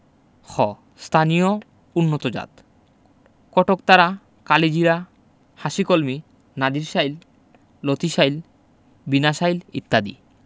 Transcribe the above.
খ স্থানীয় উন্নতজাত কটকতারা কালিজিরা হাসিকলমি নাজির শাইল লতিশাইল বিনাশাইল ইত্যাদি